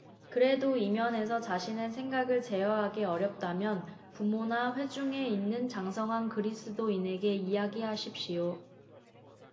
그래도 이 면에서 자신의 생각을 제어하기가 어렵다면 부모나 회중에 있는 장성한 그리스도인에게 이야기하십시오